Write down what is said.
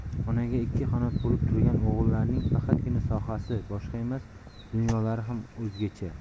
onaga ikki qanot bo'lib turgan o'g'illarning faqatgina sohasi boshqa emas dunyolari ham o'zgacha